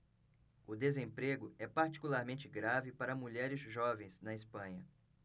o desemprego é particularmente grave para mulheres jovens na espanha